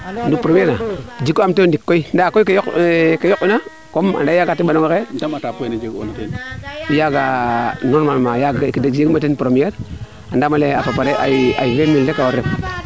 no peraan ka jiku aam teeno ndik koy ndaa no peraan ka ke yoq ina comme ande xa teɓanongaxe yaaga normalement jegiim teen premiere andaame a tokale ay 20 mille rek a war ref